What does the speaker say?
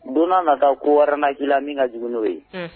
Don n' na taa ko wɛrɛ na k'ila min ka jugu n'o ye.